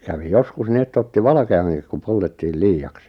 kävi joskus niin että otti valkeankin kun poltettiin liiaksi